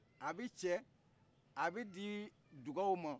a bi cɛ a bɛ di dugaw ma